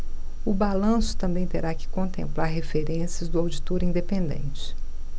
o balanço também terá que contemplar referências do auditor independente